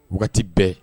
Wagati bɛɛ